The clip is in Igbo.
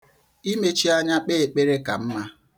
Imechi anya kpee ekpere ka mma.